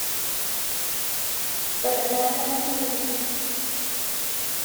เปิดน้ำล้างมือ